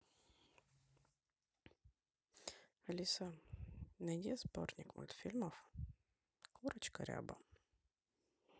алиса найди сборник мультфильмов курочка ряба